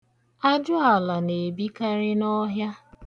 Ajụala na-ebikari n'ọhịa.